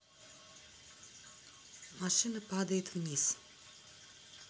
машина падает вниз